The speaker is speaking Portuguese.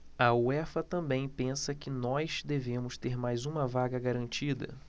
a uefa também pensa que nós devemos ter mais uma vaga garantida